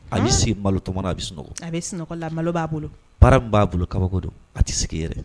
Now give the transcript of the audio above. A bɛ sigi balo tɔ a bɛ sunɔgɔ a bɛ sunɔgɔ la malo b'a bolo bara b'a bolo kaba don a tɛ sigi i yɛrɛ